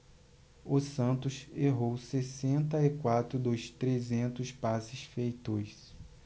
o santos errou sessenta e quatro dos trezentos passes feitos